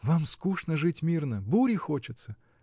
— Вам скучно жить мирно, бури хочется!